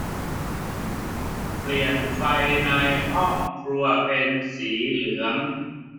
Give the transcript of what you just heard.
เปลี่ยนไฟในห้องครัวเป็นสีเหลือง